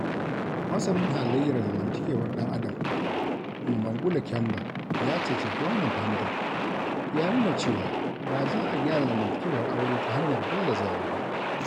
Masanin halayyar zamantakewar ɗan'adam, Mbangula Kemba ya caccaki wannan fahimtar ya nuna cewa ba za a gyara zamantakewar aure ta hanyar gallazawa ba.